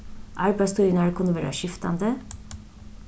arbeiðstíðirnar kunnu verða skiftandi